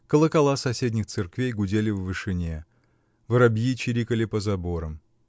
колокола соседних церквей гудели в вышине воробьи чирикали по заборам.